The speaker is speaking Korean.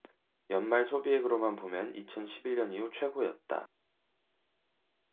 연말 소비액으로만 보면 이천 십 일 년 이후 최고였다